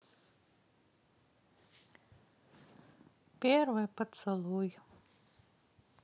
первый поцелуй